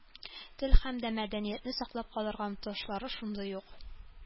Тел һәм мәдәниятне саклап калырга омтылышлары шундый ук.